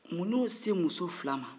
mun y'o se muso fila ma